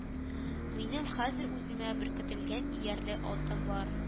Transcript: Минем хәзер үземә беркетелгән иярле атым бар